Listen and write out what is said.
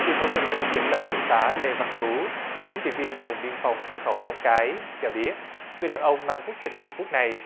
truyền thông trong nước dẫn lời trung tá lê văn tú chính trị viên đồn biên phòng cửa khẩu móng cái cho biết người đàn ông mang quốc tịch trung quốc này